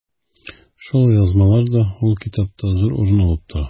Шул язмалар да ул китапта зур урын алып тора.